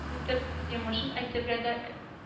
Үтеп йомышын әйтергә дә